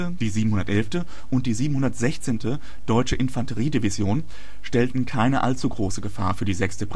die 711. und die 716. Deutsche Infanteriedivision stellten keine allzu große Gefahr für die 6.